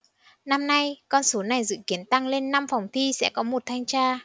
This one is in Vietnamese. năm nay con số này dự kiến tăng lên năm phòng thi sẽ có một thanh tra